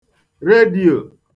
redīò